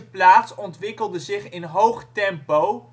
plaats ontwikkelde zich in hoog tempo